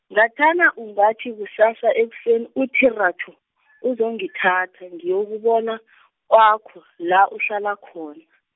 ngathana ungathi kusasa ekuseni uthi rathu, uzongithatha ngiyokubona , kwakho, la uhlala khona.